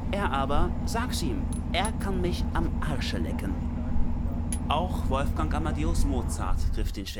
Er aber, sag 's ihm, er kann mich im Arsche lecken! “. Auch Wolfgang Amadeus Mozart griff den